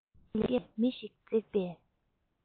རྒྱ སྐས ལས མི ཞིག འཛེགས པའི